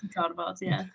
Ti'n gorfod, ie.